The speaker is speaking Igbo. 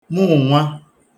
mụụnwa